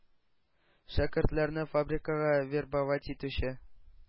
Шәкертләрне фабрикага вербовать итүче